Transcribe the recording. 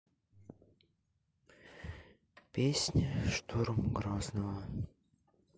песня штурм грозного